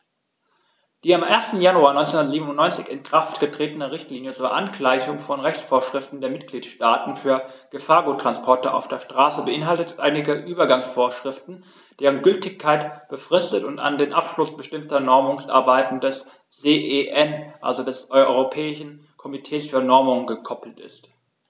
Die am 1. Januar 1997 in Kraft getretene Richtlinie zur Angleichung von Rechtsvorschriften der Mitgliedstaaten für Gefahrguttransporte auf der Straße beinhaltet einige Übergangsvorschriften, deren Gültigkeit befristet und an den Abschluss bestimmter Normungsarbeiten des CEN, also des Europäischen Komitees für Normung, gekoppelt ist.